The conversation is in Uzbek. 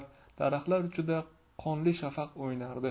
daraxtlar uchida qonli shafaq o'ynardi